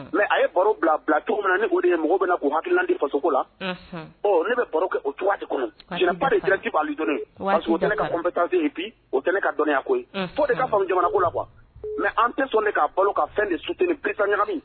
Mɛ a ye baro bila bila cogo min na ne k' de ye mɔgɔ bɛna na k' hakilandi fasoko la ne bɛ baro kɛ o cogo de kɔnɔ jɛnɛba de jiraji'j ye aso tɛ ne katase ye bi o tɛ ne ka dɔnniya ko fo de ka fɔ jamanako la mɛ an tɛ sɔn ne k'a balo ka fɛn de sut ni pesa ɲagami